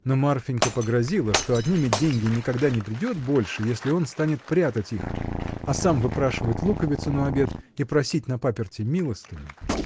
Но Марфинька погрозила, что отнимет деньги и никогда не придет больше, если он станет прятать их, а сам выпрашивать луковицу на обед и просить на паперти милостыню.